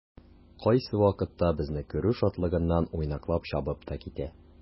Кайсы вакытта безне күрү шатлыгыннан уйнаклап чабып та китә.